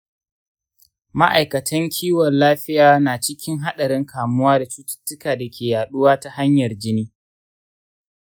ma'aikatan kiwon lafiya na cikin haɗarin kamuwa da cututtukan da ke yaɗuwa ta hanyar jini.